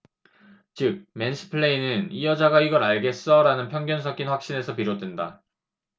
즉 맨스플레인은 이 여자가 이걸 알겠어 라는 편견 섞인 확신에서 비롯된다